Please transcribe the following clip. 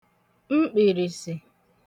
mkpị̀rị̀sị̀